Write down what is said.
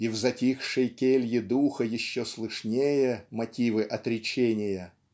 и в затихшей келье духа еще слышнее мотивы отречения